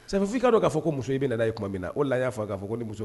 Sabufin''a fɔ ko muso in tuma min na la ya fɔ k'a fɔ ko